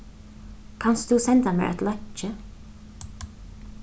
kanst tú senda mær eitt leinki